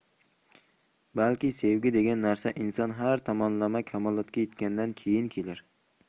balki sevgi degan narsa inson har tomonlama kamolotga yetgandan keyin kelar